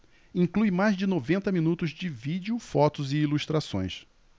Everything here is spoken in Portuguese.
inclui mais de noventa minutos de vídeo fotos e ilustrações